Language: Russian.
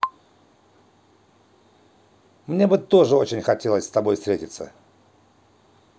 мне бы тоже очень хотелось с тобой встретиться